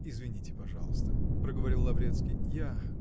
-- Извините, пожалуйста, -- проговорил Лаврецкий, -- я.